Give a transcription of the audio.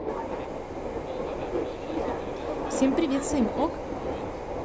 всем привет своим ok